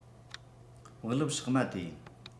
བག ལེབ བསྲེགས མ དེ ཡིན